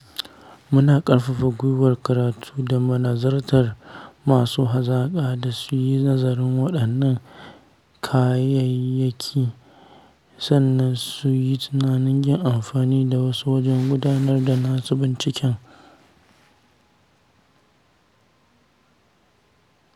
Muna ƙarfafa gwiwar karatu da manazartan masu hazaƙa da su yi nazarin waɗannan kayayaki sannan su yi tunanin yin amfani da wasu wajen gudanar da nasu binciken.